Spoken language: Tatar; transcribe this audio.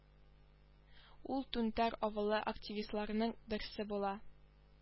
Ул түнтәр авылы активистларының берсе була